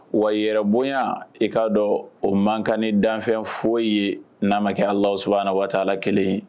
Wa yɛrɛ bonya i k'a dɔn o man kan ni danfɛn foyi ye n'an ma kɛ ala s waa ala kelen ye